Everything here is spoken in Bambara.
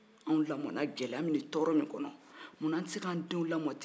anw lamɔna gɛlɛya min ni tɔɔrɔ min kɔnɔ muna an tɛ se ka denw lamɔ ten